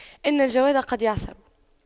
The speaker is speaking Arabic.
إن الجواد قد يعثر